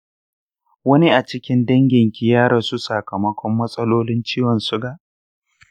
wani a cikin danginki ya rasu sakamakon matsalolin ciwon suga?